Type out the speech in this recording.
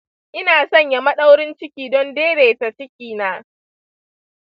ina sanya maɗaurin ciki don daidaita cikina.